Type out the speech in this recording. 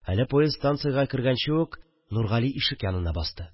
Әле поезд станциягә кергәнче үк Нургали ишек янына басты